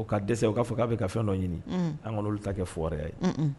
O kaa dɛsɛ u k'a fɔ'a bɛ ka fɛn dɔ ɲini an ka olu ta kɛ fɔri ye